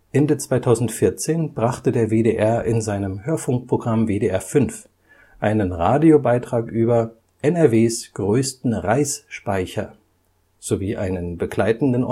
Ende 2014 brachte der WDR in seinem Hörfunkprogramm WDR 5 einen Radiobeitrag über „ NRWs größte [n] Reisspeicher “sowie einen begleitenden